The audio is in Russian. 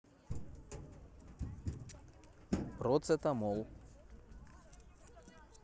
процетамол